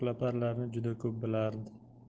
laparlarni juda ko'p bilardi